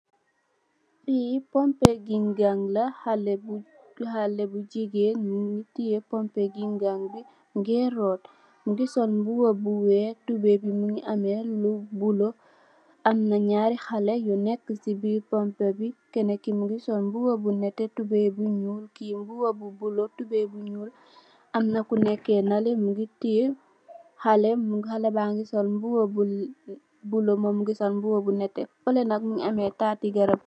Fi pompe gengan la, hale bu jigeen la, mingi tiye pompe gengan bi, minge root, mingi sol mbuba bu weex, tubay bi mingi ame lu bula, amna nyaari xale yu nekk si biir pompe bi, kene ki mingi sol mbuba bu nete, tubay bu nyuul, ki mbuba bula, tubay bu nyuul, amna kune ke nale mungi tiye xale, xale ba ngi sol mbuba bula, mom mingi sol mbuba bu nete, fale nale mingi am taati garab.